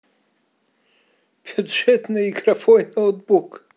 бюджетный игровой ноутбук